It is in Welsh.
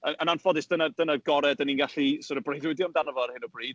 Yn yn anffodus, dyna dyna'r gorau 'dan ni'n gallu, sort of, breuddwydio amdano fo ar hyn o bryd.